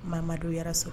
Mamadu yarasu